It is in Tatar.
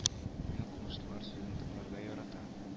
Мин укымышлылар сүзен тыңларга яратам